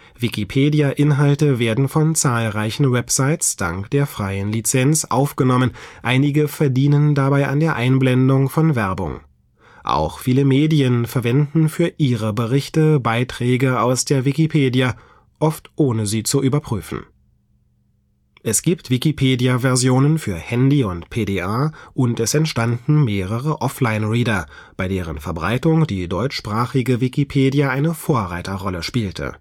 Wikipedia-Inhalte werden von zahlreichen Websites dank der freien Lizenz aufgenommen, einige verdienen dabei an der Einblendung von Werbung. Auch viele Medien verwenden für ihre Berichte Beiträge aus der Wikipedia, oft ohne sie zu überprüfen. Es gibt Wikipedia-Versionen für Handy und PDA, und es entstanden mehrere Offline-Reader, bei deren Verbreitung die deutschsprachige Wikipedia eine Vorreiterrolle spielte